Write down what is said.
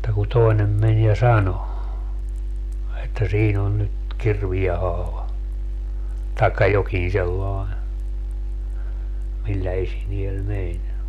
mutta kun toinen meni ja sanoi että siinä on nyt kirveen haava tai jokin sellainen millä esineellä meni